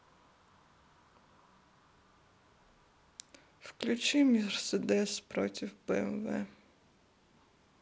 включи мерседес против бмв